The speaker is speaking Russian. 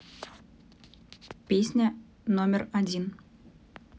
песня номер один